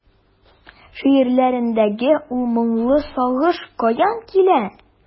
Шигырьләреңдәге ул моңлы сагыш каян килә?